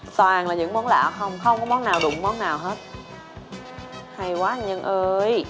toàn là những món lạ hông không có món nào đụng món nào hết hay quá anh nhân ơi